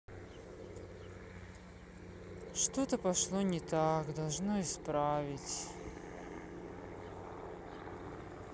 что то пошло не так должно исправить